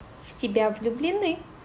в тебя влюблены